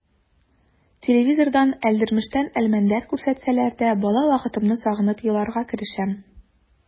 Телевизордан «Әлдермештән Әлмәндәр» күрсәтсәләр дә бала вакытымны сагынып еларга керешәм.